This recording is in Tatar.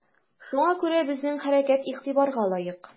Шуңа күрә безнең хәрәкәт игътибарга лаек.